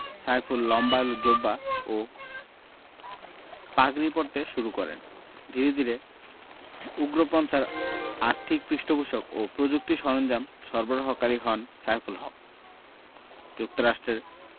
সাইফুল লম্বা জোব্বা ও পাগড়ি পরতে শুরু করেন ধীরে ধীরে উগ্রপন্থার আর্থিক পৃষ্ঠপোষক ও প্রযুক্তি সরঞ্জাম সরবরাহকারী হন সাইফুল হক যুক্তরাষ্টের